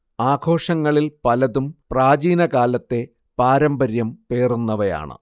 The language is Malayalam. ആഘോഷങ്ങളിൽ പലതും പ്രാചീനകാലത്തെ പാരമ്പര്യം പേറുന്നവയാണ്